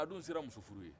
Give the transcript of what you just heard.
a dun sera muso furu ye